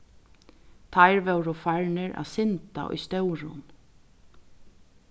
teir vóru farnir at synda í stórum